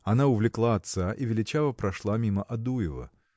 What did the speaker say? Она увлекла отца и величаво прошла мимо Адуева.